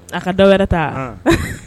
A ka dɔwɛrɛ ta a annn